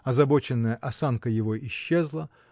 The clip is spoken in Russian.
Озабоченная осанка его исчезла